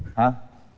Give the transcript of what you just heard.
hả